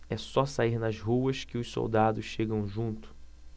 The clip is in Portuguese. é só sair nas ruas que os soldados chegam junto